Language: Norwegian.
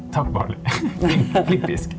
takk Barley flink flink bisk.